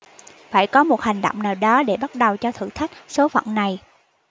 phải có một hành động nào đó để bắt đầu cho thử thách số phận này